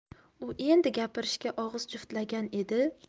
u endi gapirishga og'iz juftlagan edi